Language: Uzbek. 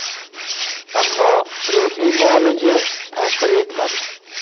ammo ro'hiy muolaja ta'sir etmadi